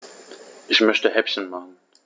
Ich möchte Häppchen machen.